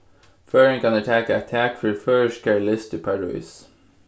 føroyingarnir taka eitt tak fyri føroyskari list í parís